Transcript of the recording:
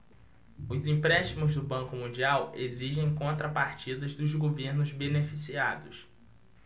os empréstimos do banco mundial exigem contrapartidas dos governos beneficiados